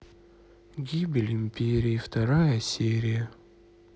гибель империи вторая серия